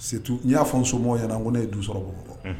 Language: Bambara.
Se i y'a fɔ so ɲɛna ko ne ye du sɔrɔ bɔ dɔn